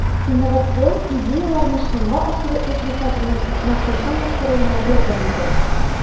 Инновацион идеяләрне чынга ашыру икътисадның максатчан яхшыруына ярдәм итә.